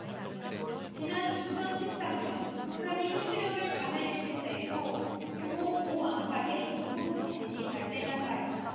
지난 이천 십 삼 년 북한이 핵실험을 감행했을 때에도 규모 오 안팎의 인공지진이 발생한 바 있다